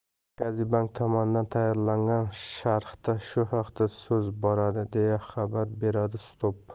markaziy bank tomonidan tayyorlangan sharhda shu haqda so'z boradi deya xabar beradi spot